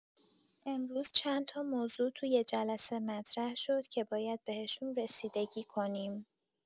امروز چندتا موضوع توی جلسه مطرح شد که باید بهشون رسیدگی کنیم.